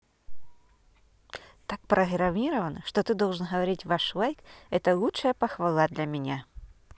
так програмирован что ты должен говорить ваш лайк это лучшая похвала для меня